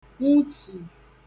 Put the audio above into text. nwutù